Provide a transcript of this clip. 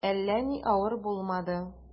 Әллә ни авыр булмады.